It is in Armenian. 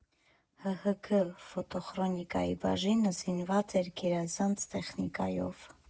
ՀՀԳ ֆոտոխրոնիկայի բաժինը զինված էր գերազանց տեխնիկայով.